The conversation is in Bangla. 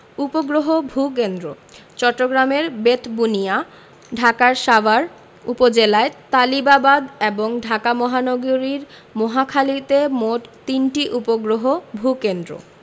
উপগ্রহ ভূ কেন্দ্রঃ চট্টগ্রামের বেতবুনিয়া ঢাকার সাভার উপজেলায় তালিবাবাদ এবং ঢাকা মহানগরীর মহাখালীতে মোট তিনটি উপগ্রহ ভূ কেন্দ্র